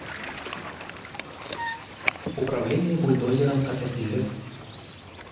управление бульдозером катапиллер